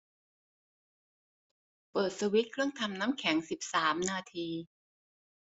เปิดสวิตช์เครื่องทำน้ำแข็งสิบสามนาที